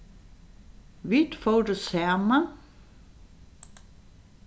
vit fóru saman